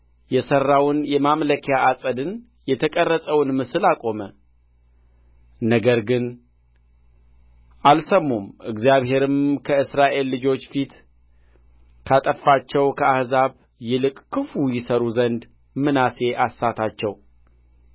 የሠራውን የማምለኪያ ዐፀድን የተቀረጸውን ምስል አቆመ ነገር ግን አልሰሙም እግዚአብሔርም ከእስራኤል ልጆች ፊት ካጠፋቸው ከአሕዛብ ይልቅ ክፉ ይሠሩ ዘንድ ምናሴ አሳታቸው